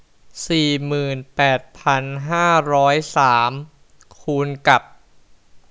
หนึ่งล้านสองแสนสามหมื่นเจ็ดพันหกสิบแปดคูณกับ